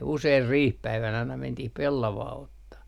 usein riihipäivänä aina mentiin pellavaa ottamaan